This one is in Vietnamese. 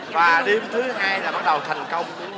và đêm thứ hai là bắt đầu thành công đúng